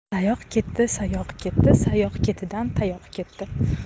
sayoq ketdi sayoq ketdi sayoq ketidan tayoq ketdi